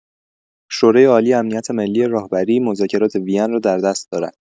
شورای‌عالی امنیت ملی راهبری، مذاکرات وین را در دست دارد.